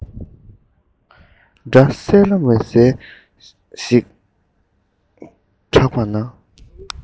སྒྲ གསལ ལ མི གསལ ཞིག གྲགས པ ན